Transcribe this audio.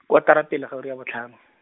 kotara pele ga ura ya botlhano.